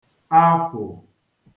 afụ̀